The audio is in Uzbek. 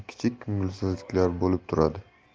kichik ko'ngilsizliklar bo'lib turadi